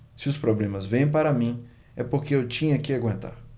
se os problemas vêm para mim é porque eu tinha que aguentar